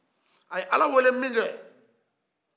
a ye ala walen min kɛ